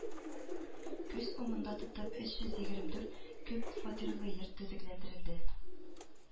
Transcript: Күз уңында тотып, өч йөз егерме дүрт күпфатирлы йорт төзекләндерелде